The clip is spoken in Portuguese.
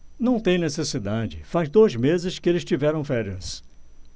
não tem necessidade faz dois meses que eles tiveram férias